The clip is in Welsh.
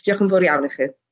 Dioch yn fowr iawn i chi.